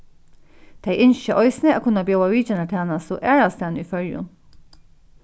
tey ynskja eisini at kunna bjóða vitjanartænastu aðrastaðni í føroyum